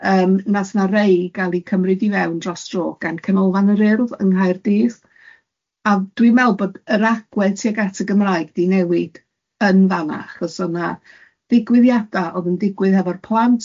ym wnaeth yna rhai gael eu cymryd i fewn dros dro gan canolfan yr Urdd yng Nghaerdydd, a dwi'n meddwl bod yr agwedd tuag at y Gymraeg di newid yn fan'na achos oedd yna ddigwyddiada oedd yn digwydd efo'r plant,